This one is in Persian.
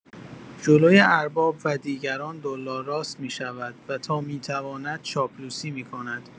جلوی ارباب و دیگران دولاراست می‌شود و تا می‌تواند چاپلوسی می‌کند.